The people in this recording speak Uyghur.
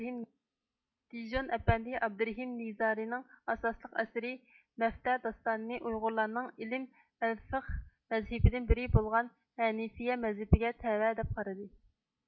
دىژون ئەپەندى ئابدۇرېھىم نىزارىنىڭ ئاساسلىق ئەسىرى مەفتە داستانى نى ئۇيغۇرلارنىڭ ئىلىم ئەلفىخ مەزھىپىدىن بىرى بولغان ھەنىفىيە مەزھىپىگە تەۋە دەپ قارىدى